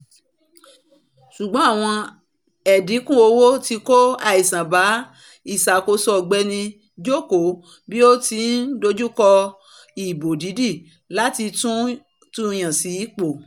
Súgbọ̀n àwọn ẹ̀dínkù owó ti kó àìsàn bá ìṣàkóso ọ̀gbẹ́ni Joko bí ó ti ń dojúkọ ìbò dídì láti tún yàn an sípò.